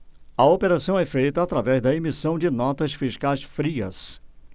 a operação é feita através da emissão de notas fiscais frias